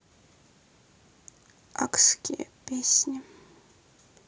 акские песни